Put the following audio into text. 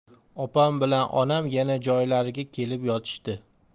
opam bilan onam yana joylariga kelib yotishdi